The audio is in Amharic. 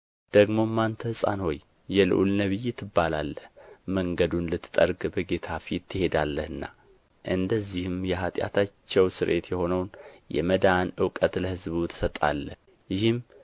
ደግሞም አንተ ሕፃን ሆይ የልዑል ነቢይ ትባላለህ መንገዱን ልትጠርግ በጌታ ፊት ትሄዳለህና እንደዚህም የኃጢአታቸው ስርየት የሆነውን የመዳን እውቀት ለሕዝቡ ትሰጣለህ ይህም